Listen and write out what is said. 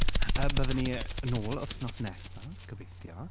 Yy byddwn ni yn ôl wythnos nesaf, gobeithio.